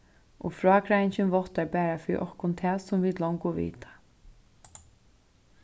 og frágreiðingin váttar bara fyri okkum tað sum vit longu vita